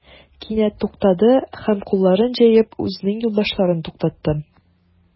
Кинәт туктады һәм, кулларын җәеп, үзенең юлдашларын туктатты.